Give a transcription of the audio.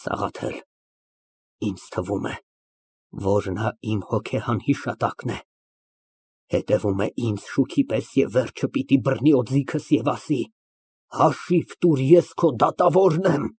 Սաղաթել ինձ թվում է, որ նա իմ հոգեհան հրեշտակն է, հետևում է ինձ շուքի պես և վերջը պիտի բռնի օձիքս և ասի. «Հաշիվ տուր, ես քո դատավորն եմ»։